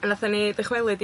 Nathon ni ddychwelyd i...